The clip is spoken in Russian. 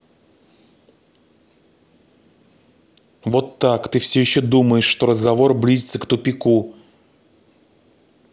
вот так ты все еще думаешь что разговор близится к тупику